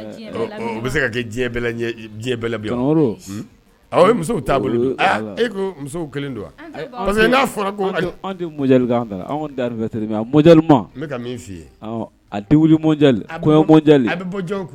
Ka diyɛ bɛɛ lamini wa ɔ ɔɔ bɛ se ka kɛ diyɛ bɛlajɛ diyɛ bɛ la bi wa ayi tonton Modibo hunn awɔ o ye musow taabolo ye aa e koo musow kelen don wa an tɛ ban o la yɛrɛ parce que naa fɔrɔ ko an' tɛ an' tɛ mondial k'an fɛ an' kɔni dan ye mais a mondial ma n bɛ ka min f'i ye awɔ a denkuli mondial a kɔnɲɔ mondial a bɛ bɔ a bɛ bɔ jɔn kun